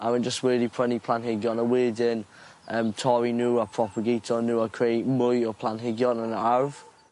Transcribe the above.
A wedyn jus wedi prynu planhigion a wedyn yym torri n'w a propegatio n'w a creu mwy o planhigion yn y ardd.